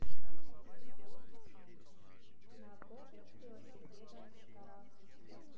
на горных велосипедах в горах